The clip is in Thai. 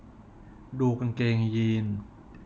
ดูกางเกงยีนส์